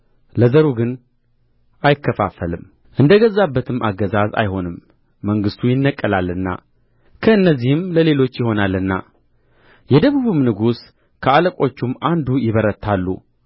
ለዘሩ ግን አይከፋፈልም እንደ ገዛበትም አገዛዝ አይሆንም መንግሥቱ ይነቀላልና ከእነዚህም ለሌሎች ይሆናልና የደቡብም ንጉሥ ከአለቆቹም አንዱ ይበረታሉ